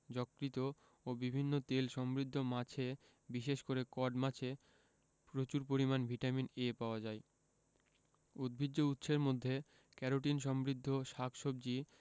যকৃৎ ও বিভিন্ন তেলসমৃদ্ধ মাছে বিশেষ করে কড মাছে প্রচুর পরিমান ভিটামিন A পাওয়া যায় উদ্ভিজ্জ উৎসের মধ্যে ক্যারোটিন সমৃদ্ধ শাক সবজি